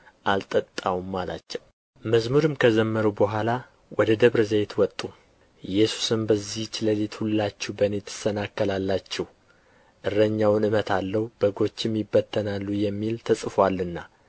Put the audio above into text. አልጠጣውም አላቸው መዝሙርም ከዘመሩ በኋላ ወደ ደብረ ዘይት ወጡ ኢየሱስም በዚች ሌሊት ሁላችሁ በእኔ ትሰናከላላችሁ እረኛዉን እመታለሁ በጎችም ይበተናሉ የሚል ተጽፎአልና